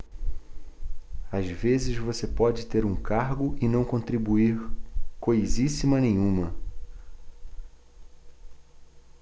às vezes você pode ter um cargo e não contribuir coisíssima nenhuma